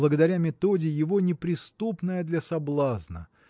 благодаря методе его неприступная для соблазна